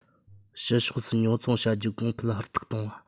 ཕྱི ཕྱོགས སུ ཉོ ཚོང བྱ རྒྱུ གོང འཕེལ ཧུར ཐག གཏོང བ